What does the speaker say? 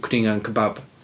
Cwningan cebab